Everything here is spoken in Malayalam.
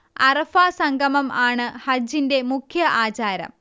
അറഫാ സംഗമം ആണ് ഹജ്ജിന്റെ മുഖ്യ ആചാരം